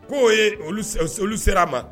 Ko oo ye olu sera a ma